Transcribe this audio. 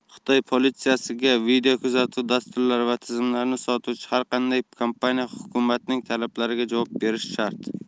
xitoy politsiyasiga videokuzatuv dasturlari va tizimlarini sotuvchi har qanday kompaniya hukumatning talablariga javob berishi shart